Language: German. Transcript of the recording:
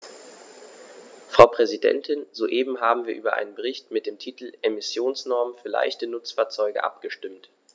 Frau Präsidentin, soeben haben wir über einen Bericht mit dem Titel "Emissionsnormen für leichte Nutzfahrzeuge" abgestimmt.